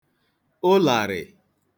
ụlàrị̀